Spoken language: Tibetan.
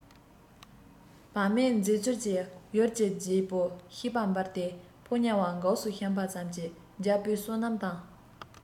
བག མེད མཛད ཚུལ གྱིས ཡུལ གྱི རྒྱལ པོ ཤེས པ འབར ཏེ ཕོ ཉ བ འགུགས སུ བཤམས པ ཙམ གྱིས རྒྱལ པོའི བསོད ནམས དང